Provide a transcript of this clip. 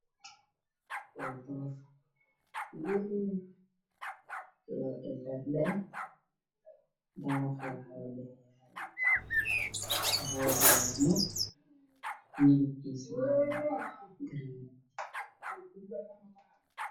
Waa dabaq weyn dabaqaas hoostiisa waxaa ku yaalla geed dheer oo kaleerkiisu yahay cagaar